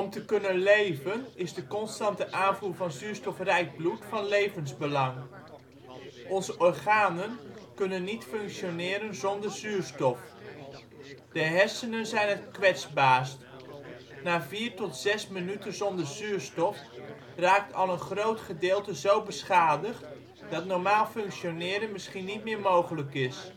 te kunnen leven, is de constante aanvoer van zuurstofrijk bloed van levensbelang. Onze organen kunnen niet functioneren zonder zuurstof. De hersenen zijn het kwetsbaarst: na vier tot zes minuten zonder zuurstof raakt al een (groot) gedeelte zo beschadigd, dat normaal functioneren misschien niet meer mogelijk is